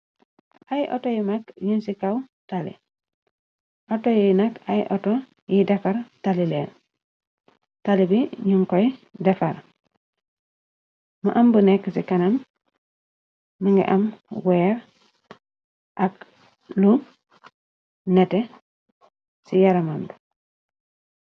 Ay otto yi mag ñun ci kaw tali outo yiy nag ay otto yiy defar tali bi ñun koy defar. Mu amb nekk ci kanam më nga am weer ak lu nete ci yaramandu.